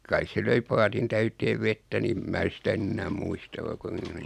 kai se löi paatin täyteen vettä niin en minä sitä nyt enää muista vaikka on